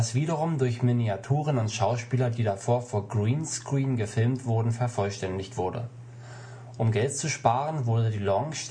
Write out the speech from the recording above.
wiederum durch Miniaturen und Schauspieler, die davor vor Greenscreen gefilmt wurden, vervollständigt wurde. Um Geld zu sparen, wurde die Lounge der